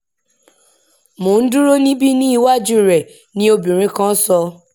Mo ń dúró níbí ní ìwájú rẹ̀,'' ni obìnrin kan sọ.